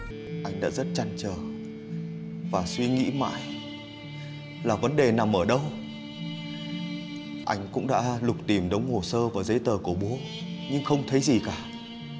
anh đã rất trăn trở và suy nghĩ mãi là vấn đề nằm ở đâu anh cũng đã lục tìm đống hồ sơ và giấy tờ của bố nhưng không thấy gì cả